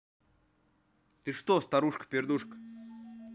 ты что старушка пердушка